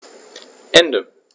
Ende.